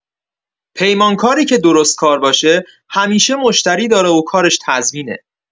پیمانکاری که درستکار باشه، همیشه مشتری داره و کارش تضمینه.